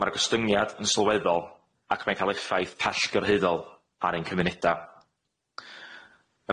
Ma'r gostyngiad yn sylweddol ac mae'n ca'l effaith pellgyrhaeddol ar ein cymuneda.